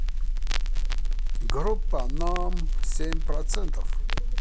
группа ном семь процентов